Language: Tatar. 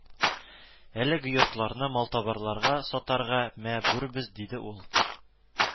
Әлеге йортларны малтабарларга сатарга мә бүрбез, диде ул